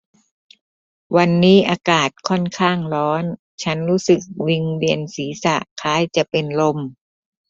วันนี้อากาศค่อนข้างร้อนฉันรู้สึกวิงเวียนศีรษะคล้ายจะเป็นลม